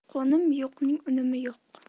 qo'nimi yo'qning unumi yo'q